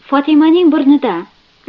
fotimaning burnidan